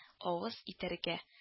Авыз итәргә